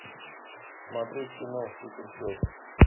смотреть кино супер пес